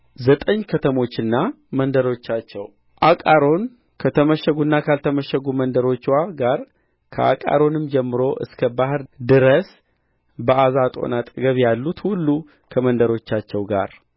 ዘጠኝ ከተሞችና መንደሮቻቸው አቃሮን ከተመሸጉና ካልተመሸጉ መንደሮችዋ ጋር ከአቃሮንም ጀምሮ እስከ ባሕር ድረስ በአዛጦን አጠገብ ያሉት ሁሉ ከመንደሮቻቸው ጋር